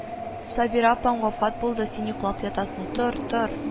"сабира апаң вафат булды; син йоклап ятасың, тор, тор